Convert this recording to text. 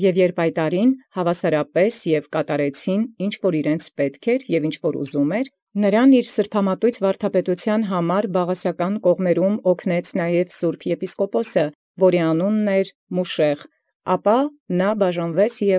Եւ յորժամ զայն արարեալ հաւասարութեամբ և լցեալ զպիտոյն իւրեանց և զկամացն յաւժարութիւն, ձեռնատու ևս եղեալ նմա սրբամատոյց վարդապետութեանն ի Բաղասական կողմանս սրբոյ եպիսկոպոսին, որում անուն Մուշեղ կոչէին, հրաժարէր։